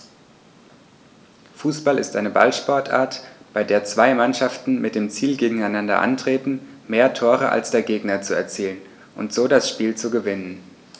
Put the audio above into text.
Fußball ist eine Ballsportart, bei der zwei Mannschaften mit dem Ziel gegeneinander antreten, mehr Tore als der Gegner zu erzielen und so das Spiel zu gewinnen.